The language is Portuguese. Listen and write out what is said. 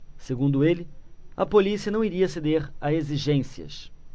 segundo ele a polícia não iria ceder a exigências